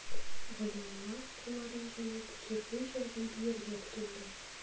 Галиулла, кулларын җәеп, җырлый-җырлый биергә тотынды.